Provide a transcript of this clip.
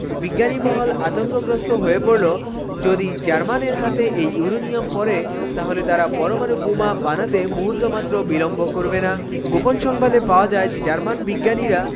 বিজ্ঞানী মহল আতঙ্কগ্রস্ত হয়ে পড়ল যদি জার্মান এর হাতে এই ইউরেনিয়াম পরে তাহলে তারা পরমাণু বোমা বানাতে মুহূর্ত মাত্র বিলম্ব করবে না গোপন সংবাদে পাওয়া যায় জার্মান বিজ্ঞানীরা